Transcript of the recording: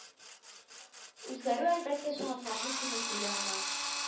Үзгәрү әлбәттә чыгымнарны киметү ягына